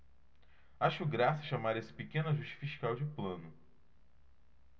acho graça chamar esse pequeno ajuste fiscal de plano